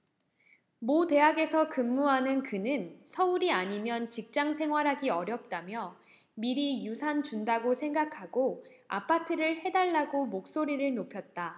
모 대학에서 근무하는 그는 서울이 아니면 직장생활하기 어렵다며 미리 유산 준다고 생각하고 아파트를 해 달라고 목소리를 높였다